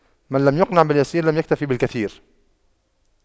من لم يقنع باليسير لم يكتف بالكثير